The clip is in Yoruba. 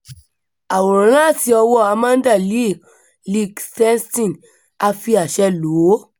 Àwòrán láti ọwọ́ọ Amanda Leigh Lichtenstein, a fi àṣẹ lò ó.